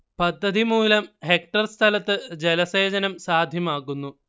പദ്ധതിമൂലം hectare സ്ഥലത്ത് ജലസേചനം സാധ്യമാകുന്നു